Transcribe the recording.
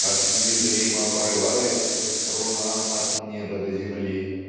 как "незримо порывается струна от неба до земли".